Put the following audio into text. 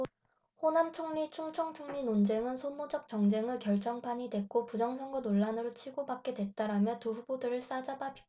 호남총리 충청총리 논쟁은 소모적 정쟁의 결정판이 됐고 부정선거 논란으로 치고받게 됐다라며 두 후보들을 싸잡아 비판했다